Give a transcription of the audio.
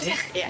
Odych.